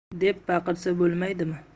deb baqirsa bo'lmaydimi